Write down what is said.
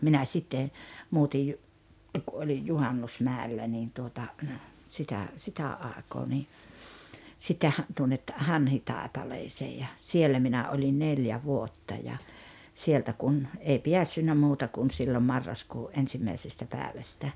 minä sitten muutin jo kun olin Juhannusmäellä niin tuota sitä sitä aikaa niin sitten - tuonne Hanhitaipaleeseen ja siellä minä olin neljä vuotta ja sieltä kun ei päässyt muuta kuin silloin marraskuun ensimmäisestä päivästä